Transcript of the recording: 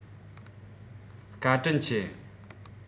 བཀའ དྲིན ཆེ